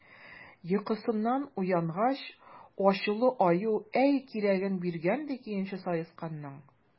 Йокысыннан уянгач, ачулы Аю әй кирәген биргән, ди, көнче Саесканның!